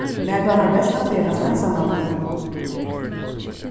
mær dámar best at ferðast einsamallur